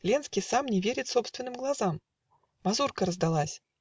Ленский сам Не верит собственным глазам. Х Мазурка раздалась.